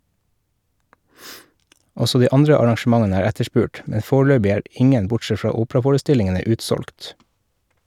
Også de andre arrangementene er etterspurt, men foreløpig er ingen bortsett fra operaforestillingene utsolgt.